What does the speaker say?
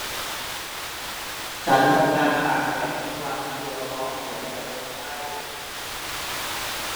ฉันทำงานตากแดดทั้งวันตัวร้อนเหมือนจะเป็นไข้